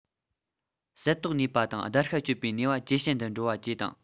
གསལ རྟོགས ནུས པ དང བརྡར ཤ གཅོད པའི ནུས པ ཇེ ཞན དུ འགྲོ བ བཅས དང